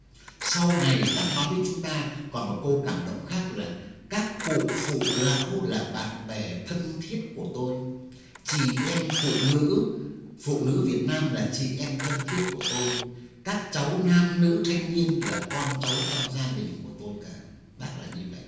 sau này bác nói với chúng ta còn một câu cảm động khác là các cụ phụ lão là bạn bè thân thiết của tôi chị em phụ nữ phụ nữ việt nam là chị em thân thiết của tôi các cháu nam nữ thanh niên là con cháu trong gia đình của tôi cả bác là như vậy